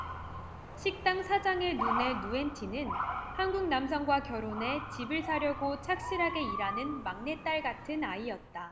식당 사장의 눈에 누엔티는 한국 남성과 결혼해 집을 사려고 착실하게 일하는 막내딸 같은 아이였다